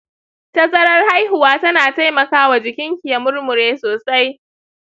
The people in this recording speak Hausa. tazarar haihuwa tana taimaka wa jikinki ya murmure sosai.